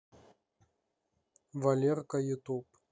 валерка ютуб